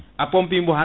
a pompi mo tan